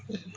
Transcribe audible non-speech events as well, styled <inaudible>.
<hesitation> <hesitation>